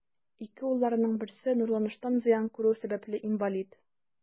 Ике улларының берсе нурланыштан зыян күрү сәбәпле, инвалид.